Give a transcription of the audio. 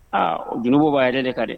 Aa jurumi b'a yɛrɛ de ka dɛ!